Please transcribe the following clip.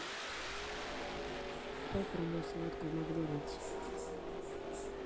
про пронес водку в макдональдсе